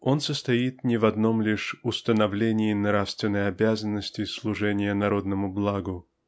он состоит не в одном лишь установлении нравственной обязанности служения народному благу